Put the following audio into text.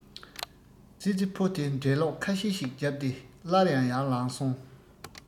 ཙི ཙི ཕོ དེ འགྲེ སློག ཁ ཤས ཤིག བརྒྱབ སྟེ སླར ཡང ཡར ལངས སོང